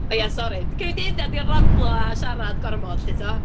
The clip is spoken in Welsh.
O ia, sori. Gynna fi dueddiad i ramblo a siarad gormod, 'lly tibod.